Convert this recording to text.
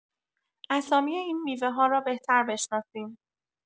اسامی این میوه‌ها را بهتر بشناسیم